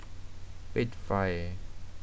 ปิดไฟ